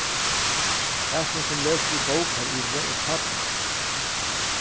hasin sum lesur í bók har yviri er pápi mín